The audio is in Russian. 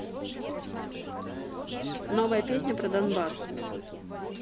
новая песня про донбасс